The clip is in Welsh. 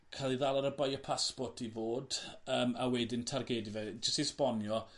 ca'l 'i ddal ar y bio passport i fod yym a wedyn targedu fe. Jyst i esbonio